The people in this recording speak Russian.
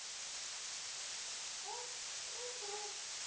ок трум трум